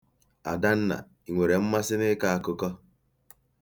Adanna, i nwere mmasị n'ịkọ akụkọ?